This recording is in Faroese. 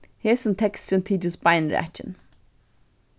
hesin teksturin tykist beinrakin